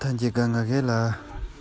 མིག གིས ལྟ སྟངས ལ བལྟས ན ང རང